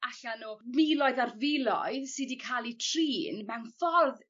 allan o filoedd ar filoedd sy 'di ca'l 'u trin mewn ffordd